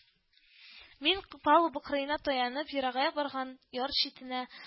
Мин, палуба кырыена таянып, ерагая барган яр читенә